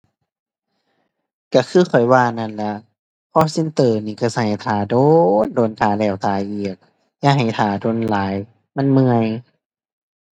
ก็คือข้อยว่านั่นล่ะ call center นี่ก็สิให้ท่าโดนโดน ท่าแล้วท่าอีก อย่าให้ท่าโดนหลาย มันเมื่อย